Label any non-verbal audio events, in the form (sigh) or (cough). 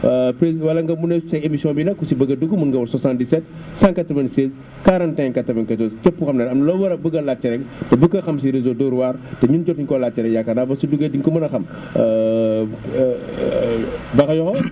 (hesitation) prési wala nga mu ne sa émission bi nag ku si bëgg a dugg mun nga woote 77 (noise) 196 (noise) 41 94 képp koo xam ne am na loo war a bëgg a laajte rek bëgg ko xam si réseau Dóor waar te ñun jotuñu koo laajte rek yaakaar naa boo si duggee di nga ko mën a xam (noise) (hesitation) Bakhayokho (coughs)